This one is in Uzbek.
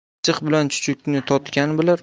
achchiq bilan chuchukni totgan